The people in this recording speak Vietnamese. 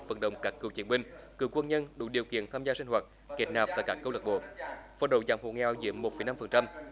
vận động các cựu chiến binh cựu quân nhân đủ điều kiện tham gia sinh vật kết nạp tại các câu lạc bộ với đủ dạng hộ nghèo chiếm một phẩy năm phần trăm